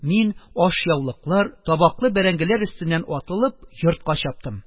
Мин, ашъяулыклар, табаклы бәрәңгеләр өстеннән атылып, йортка чаптым.